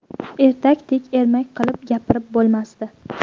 ertakdek ermak qilib gapirib bo'lmasdi